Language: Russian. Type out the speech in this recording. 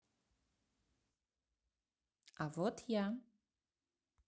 а вот я